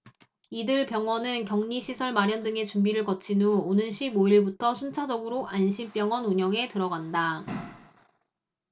이들 병원은 격리시설 마련 등의 준비를 거친 후 오는 십 오 일부터 순차적으로 안심병원 운영에 들어간다